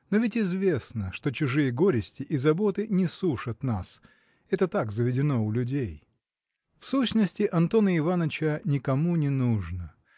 но ведь известно, что чужие горести и заботы не сушат нас это так заведено у людей. В сущности Антона Иваныча никому не нужно